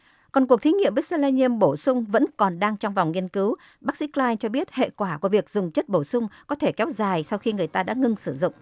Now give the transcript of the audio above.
còn cuộc thí nghiệm với se le ni um bổ sung vẫn còn đang trong phòng nghiên cứu bác sĩ cờ lai cho biết hệ quả của việc dùng chất bổ sung có thể kéo dài sau khi người ta đã ngưng sử dụng